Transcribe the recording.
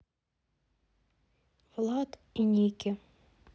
влад и ники